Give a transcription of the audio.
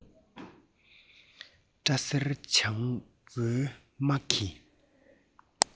སྐྲ སེར འབྱུང བོའི དམག གིས